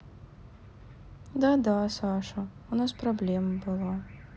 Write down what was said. да да саша у нас проблема была